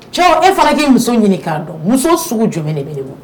Cɛ o e fana k'i muso ɲini k'a dɔn muso sugu jumɛn de be ne bolo